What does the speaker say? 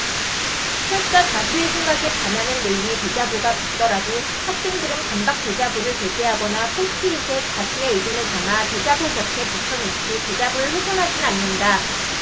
설사 다수의 생각에 반하는 내용의 대자보가 붙더라도 학생들은 반박 대자보를 게재하거나 포스트잇에 자신의 의견을 담아 대자보 곁에 붙여놓지 대자보를 훼손하지는 않는다